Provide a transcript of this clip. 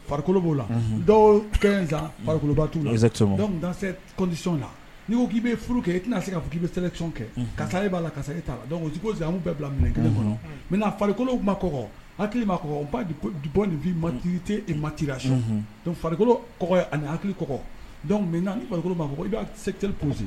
Farikolo b'o la dɔw kɛ zan farikoloba t'u ladic la' ko k'i bɛ furu kɛ i tɛna se ka k' i bɛ selicɔn kɛ ka e b'a ka e ta la zanmu bɛɛ bila minɛ kelen kɔnɔ mɛ farikolokolo tun ma kɔkɔ ha hakiliki ma kɔ'a bɔ ninfini ma tɛ e mati lac farikolo kɔ ani hakili kɔ dɔnku n' ni farikolo b'a fɔ i b'a p